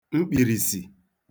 mkpìrìsì